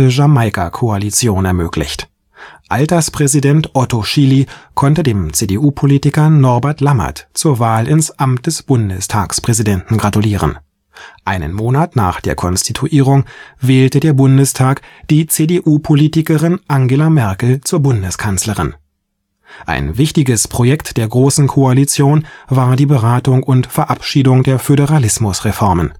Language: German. Jamaika-Koalition) ermöglicht. Alterspräsident Otto Schily konnte dem CDU-Politiker Norbert Lammert zur Wahl ins Amt des Bundestagspräsidenten gratulieren. Einen Monat nach der Konstituierung wählte der Bundestag die CDU-Politikerin Angela Merkel zur Bundeskanzlerin. Ein wichtiges Projekt der Großen Koalition war die Beratung und Verabschiedung der Föderalismusreformen